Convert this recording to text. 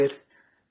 gwir.